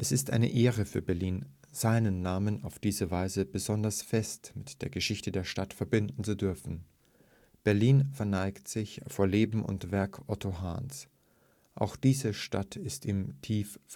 ist eine Ehre für Berlin, seinen Namen auf diese Weise besonders fest mit der Geschichte der Stadt verbinden zu dürfen. Berlin verneigt sich vor Leben und Werk Otto Hahns. Auch diese Stadt ist ihm tief verpflichtet